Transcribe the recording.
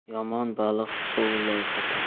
yomon baliq suv loyqatar